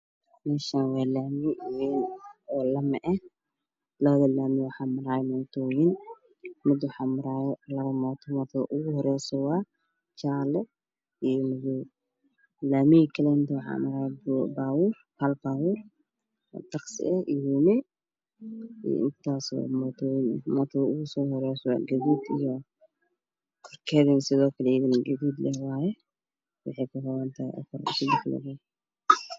Meeshaan waa laami weyn oo meel lamo eh, labada laami waxa maraya labo mootooyin, mid waxa marayo labo mooto, mootada ugu horeyso waa jaalle iyo madow laamiga kaleetana waxaa maraayo baabuur, Hal baabuur oo tapsi eh iyo nin iyo intaasoo mootooyin ,mootada ugu Soo horeysa waa gaduud iyo kalin idoo kaleetana gaduud leewaaye waxay ka kooban tahay afar shey labo